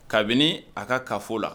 Kabini a ka kafo la